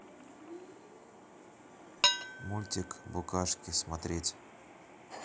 мультик букашки смотреть